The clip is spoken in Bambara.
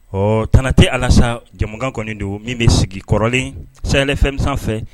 Ɔ tana tɛ alasa jamana kɔni don min bɛ sigi kɔrɔlen sɛlɛ fɛn